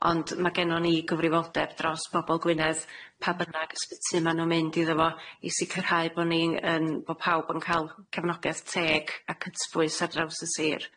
Ond ma' gennon ni gyfrifoldeb dros bobol Gwynedd, pa bynnag ysbyty ma' nw'n mynd iddo fo, i sicirhau bo' ni'n yn- bo' pawb yn ca'l cefnogaeth teg a cytbwys ar draws y sir.